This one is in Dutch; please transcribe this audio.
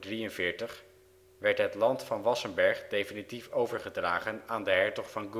in 1543 werd het land van Wassenberg definitief overgedragen aan de Hertog van